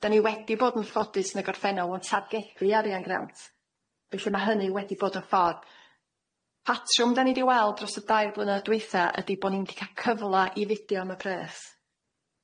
'Dan ni wedi bod yn ffodus yn y gorffennol mewn targedu arian grant felly ma' hynny wedi bod yn ffordd patrwm dan ni di weld dros y dair blynedd dwytha ydi bo' ni'm di ca'l cyfla i fudio am y pres.